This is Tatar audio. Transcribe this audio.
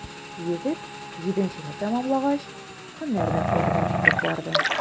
Егет, җиденчене тәмамлагач, һөнәр мәктәбенә китеп барды.